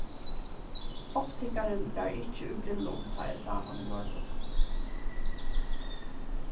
optikarin var ikki í brillum tá eg sá hann í morgun